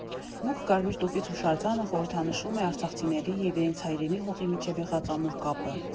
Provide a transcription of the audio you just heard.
Մուգ կարմիր տուֆից հուշարձանը խորհրդանշում է արցախցիների և իրենց հայրենի հողի միջև եղած ամուր կապը։